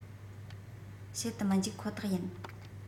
བྱེད དུ མི འཇུག ཁོ ཐག ཡིན